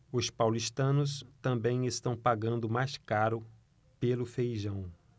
os paulistanos também estão pagando mais caro pelo feijão